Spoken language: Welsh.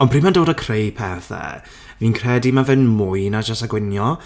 Ond pryd mae'n dod at creu pethau, fi'n credu ma' fe'n mwy na jyst y gwnïo.